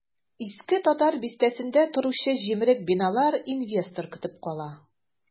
Иске татар бистәсендә торучы җимерек биналар инвестор көтеп кала.